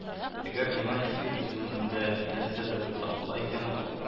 “әгәр миннән җир йөзендә нәрсә дә булса кала икән